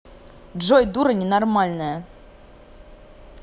джой дура ненормальная